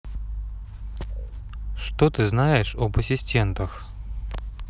что ты знаешь об ассистентах